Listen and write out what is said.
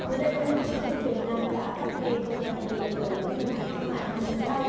mới đây ngân hàng nhà nước việt nam đã phát đi công văn yêu cầu các ngân hàng thương mại mở hầu bao